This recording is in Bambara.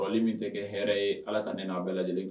Kɔrɔli min tɛ kɛ hɛrɛ ye ala ka n' aa bɛɛ lajɛlen kan